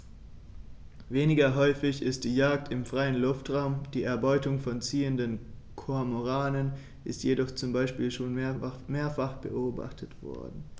Weniger häufig ist die Jagd im freien Luftraum; die Erbeutung von ziehenden Kormoranen ist jedoch zum Beispiel schon mehrfach beobachtet worden.